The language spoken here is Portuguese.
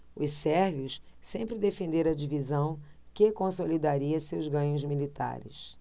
os sérvios sempre defenderam a divisão que consolidaria seus ganhos militares